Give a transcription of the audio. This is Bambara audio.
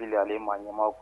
ani maa ɲɛma